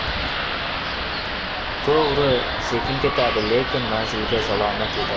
to'g'ri sekin ketadi lekin manzilga salomat yetadi